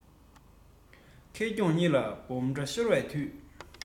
གྱོང གི ལམ བུ དགག རྒྱུའི བྱུས ལ ལྟོས